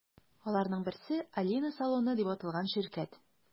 Аларның берсе – “Алина салоны” дип аталган ширкәт.